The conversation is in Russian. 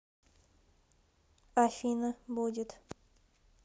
афина будет